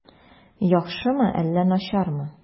Яхшымы әллә начармы?